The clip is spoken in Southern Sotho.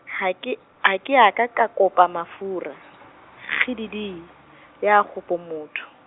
ha ke, ha ke aka kopa mafura , kgididi. ya kgopo motho.